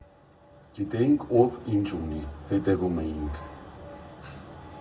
Գիտեինք, ով ինչ ունի, հետևում էինք։